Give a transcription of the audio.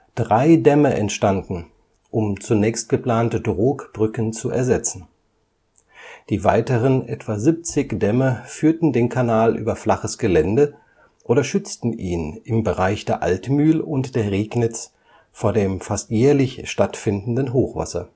Drei Dämme entstanden, um zunächst geplante Trogbrücken zu ersetzen. Die weiteren etwa 70 Dämme führten den Kanal über flaches Gelände oder schützten ihn im Bereich der Altmühl und der Regnitz vor dem fast jährlich stattfindenden Hochwasser